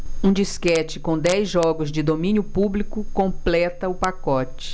um disquete com dez jogos de domínio público completa o pacote